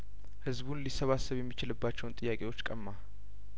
ህዝቡን ሊሰባሰብ የሚችልባቸውን ጥያቄዎች ቀማ